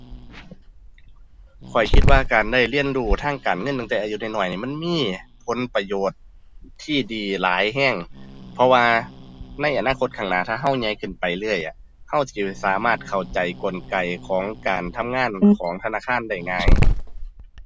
ข้อยคิดว่าการได้เรียนรู้ทางการเงินตั้งแต่อายุน้อยน้อยนี่มันมีผลประโยชน์ที่ดีหลายแรง เพราะว่าในอนาคตข้างหน้า ถ้าแรงใหญ่ขึ้นไปเรื่อยอะ แรงสิจะสามารถเข้าใจกลไกของการทำงานของธนาคารได้ง่าย